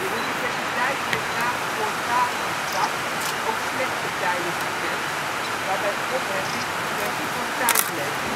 universiteit heeft na een voortvarende start ook slechte tijden gekend, waarbij opheffing een kwestie van tijd leek